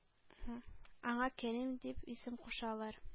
Аңа кәрим дис исем кушалар.